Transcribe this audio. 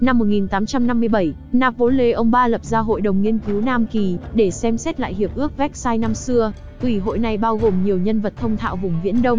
năm napoleon iii lập ra hội đồng nghiên cứu nam kỳ để xem xét lại hiệp ước versailles năm xưa ủy hội này bao gồm nhiều nhân vật thông thạo vùng viễn đông